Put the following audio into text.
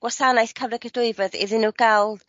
gwasanaeth cyflogadwyfedd iddyn n'w ga'l